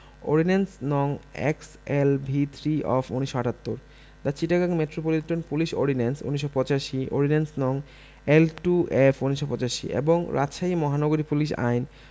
Ordinance. নং X L V three of ১৯৭৮ the Chittagong metropolitan police ordinance ১৯৮৫ ordinance. নং. L two of ১৯৮৫ এবং রাজশাহী মহানগরী police আইন